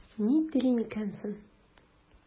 Ни телим икән соң?